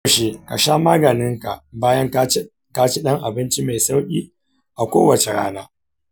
a koyaushe ka sha maganinka bayan ka ci ɗan abinci mai sauƙi a kowace rana.